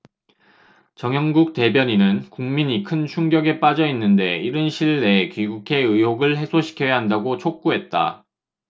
정연국 대변인은 국민이 큰 충격에 빠져 있는데 이른 시일 내에 귀국해 의혹을 해소시켜야 한다고 촉구했다